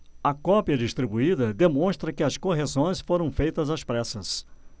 a cópia distribuída demonstra que as correções foram feitas às pressas